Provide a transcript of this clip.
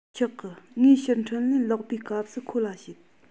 ཆོག གི ངས ཕྱིར འཕྲིན ལན ལོག པའི སྐབས སུ ཁོ ལ བཤད